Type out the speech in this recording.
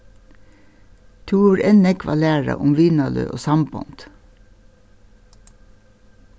tú hevur enn nógv at læra um vinaløg og sambond